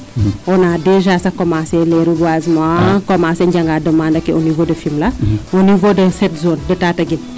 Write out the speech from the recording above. on a dejas sax commencer les reboisement commencer njaga demande ake au nivau de Fimela au nivau de cette zone de Tataguine